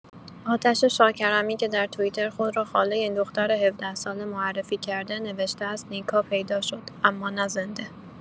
آتش شاکرمی که در توییتر خود را خاله این دختر ۱۷ ساله معرفی کرده، نوشته است: نیکا پیدا شد؛ اما نه زنده!